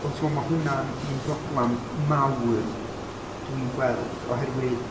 Wel ti'n gwybod mae hwnna'n un broblem mawr dwi'n gweld oherwydd...